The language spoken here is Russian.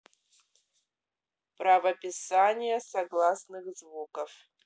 правописание согласных звуков